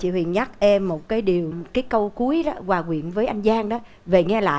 chị huyền nhắc em một cái điều cái câu cuối đó hòa quyện với anh giang đó về nghe lại